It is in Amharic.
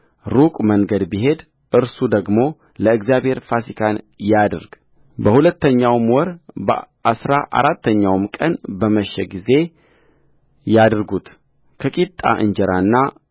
ሩቅ መንገድ ቢሄድ እርሱ ደግሞ ለእግዚአብሔር ፋሲካን ያድርግበሁለተኛው ወር በአሥራ አራተኛው ቀን በመሸ ጊዜ ያድርጉት ከቂጣ እንጀራና